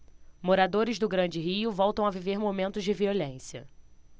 moradores do grande rio voltam a viver momentos de violência